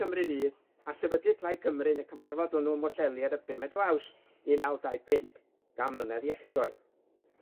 Cymru Fydd a sefydliad Plaid Cymru yn y cyfarfod wnnw ym Mwllheli ar y pymed o Awst un naw dau pump, gan mlynedd i echdoe.